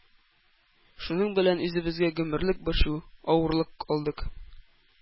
Шуның белән үзебезгә гомерлек борчу, авырлык алдык.